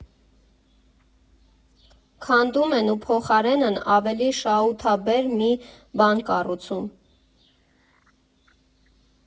Քանդում են ու փոխարենն ավելի շահութաբեր մի բան կառուցում։